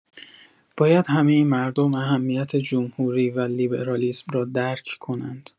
باید همه مردم اهمیت جمهوری و لیبرالیسم را درک کنند.